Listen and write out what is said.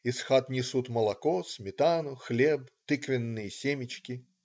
Из хат несут молоко, сметану, хлеб, тыквенные семечки.